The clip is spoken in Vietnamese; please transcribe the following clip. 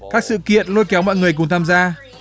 các sự kiện lôi kéo mọi người cùng tham gia